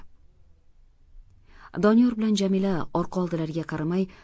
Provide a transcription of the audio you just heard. doniyor bilan jamila orqa oldilariga qaramay